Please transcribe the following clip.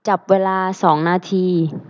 จับเวลาสองนาที